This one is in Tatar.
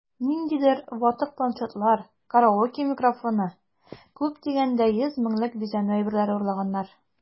Ниндидер ватык планшетлар, караоке микрофоны(!), күп дигәндә 100 меңлек бизәнү әйберләре урлаганнар...